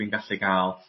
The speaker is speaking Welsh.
dwi'n gallu ga'l